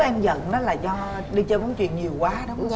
em giận á là do đi chơi bóng chuyền nhiều quá đúng không